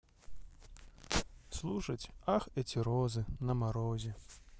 слушать ах эти розы на морозе